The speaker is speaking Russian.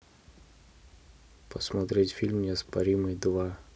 посмотреть фильм неоспоримый два